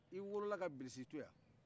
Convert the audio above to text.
i wolola ka bilisi to yan